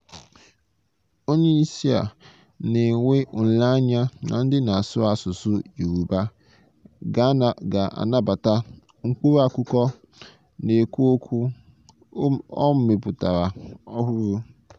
Onyeisi a na-enwe olileanya na ndị na-asụ asụsụ Yorùbá ga-anabata 'mkpụrụ akwụkwọ na-ekwu okwu' ọ mepụtara ọhụrụ